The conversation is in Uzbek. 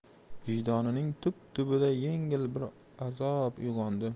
vijdonining tub tubida yengil bir azob uyg'ondi